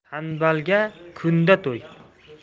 tanbalga kunda to'y